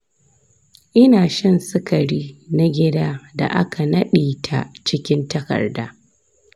ina shan sigari na gida da aka nade ta cikin takarda.